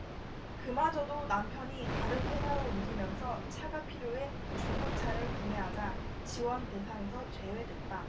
그마저도 남편이 다른 회사로 옮기면서 차가 필요해 중고차를 구매하자 지원대상에서 제외됐다